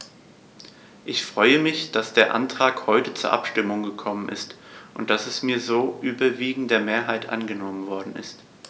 Ich freue mich, dass der Antrag heute zur Abstimmung gekommen ist und dass er mit so überwiegender Mehrheit angenommen worden ist.